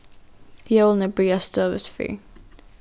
jólini byrja støðugt fyrr